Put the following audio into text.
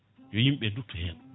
yo yimɓeɓe dutto hen